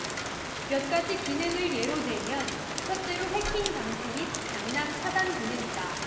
몇 가지 기능을 예로 들면 첫째로 해킹 방지 및 장난 차단 기능이다